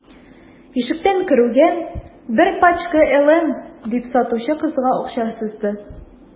Ишектән керүгә: – Бер пачка «LM»,– дип, сатучы кызга акча сузды.